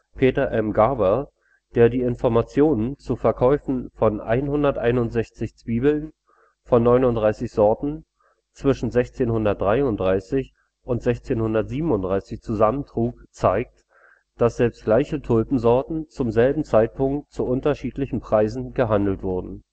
Peter M. Garber, der die Informationen zu Verkäufen von 161 Zwiebeln von 39 Sorten zwischen 1633 und 1637 zusammentrug, zeigt, dass selbst gleiche Tulpensorten zum selben Zeitpunkt zu unterschiedlichen Preisen gehandelt wurden